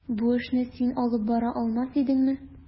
Бу эшне син алып бара алмас идеңме?